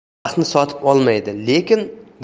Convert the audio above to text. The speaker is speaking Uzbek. pul baxtni sotib olmaydi lekin